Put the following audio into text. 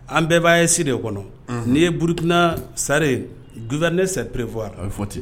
An bɛɛ bɛ AES de kɔnɔ n'i ye Burukina c'est à dire gouverner c'est prévoir .